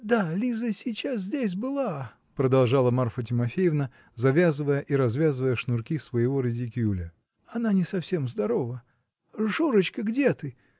да, Лиза сейчас здесь была, -- продолжала Марфа Тимофеевна, завязывая и развязывая шнурки своего ридикюля. -- Она не совсем здорова. Шурочка, где ты?